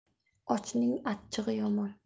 ochning achchig'i yomon